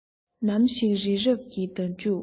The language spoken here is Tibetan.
ནམ ཞིག རི རབ ཀྱི འདར ལྕུག